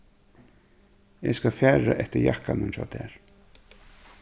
eg skal fara eftir jakkanum hjá tær